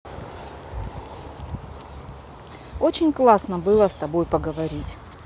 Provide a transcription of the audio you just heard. очень классно было с тобой поговорить